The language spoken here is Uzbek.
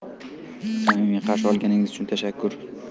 samimiy qarshi olganingiz uchun tashakkur